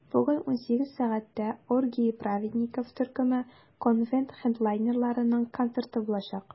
Бүген 18 сәгатьтә "Оргии праведников" төркеме - конвент хедлайнерларының концерты булачак.